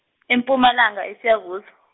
eMpumalanga eSiyabus-.